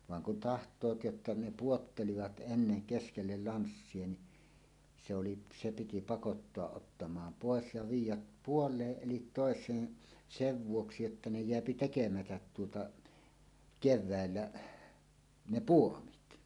vaan kun tahtovat jotta ne pudottelivat ennen keskelle lanssia niin se oli se piti pakottaa ottamaan pois ja viedä puoleen eli toiseen sen vuoksi että ne jää tekemättä tuota keväällä ne puomit